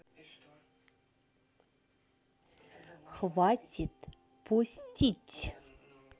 хватит постить